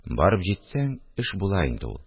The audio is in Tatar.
Барып җитсәң, эш була инде ул